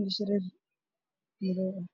oo dul taagan